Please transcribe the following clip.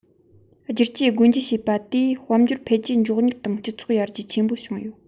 བསྒྱུར བཅོས སྒོ འབྱེད བྱས པ དེས དཔལ འབྱོར འཕེལ རྒྱས མགྱོགས མྱུར དང སྤྱི ཚོགས ཡར རྒྱས ཆེན པོ བྱུང ཡོད